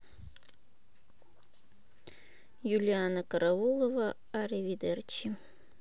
юлианна караулова аривидерчи